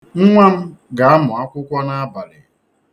Nnwa m ga-amụ akwụkwọ n'abalị.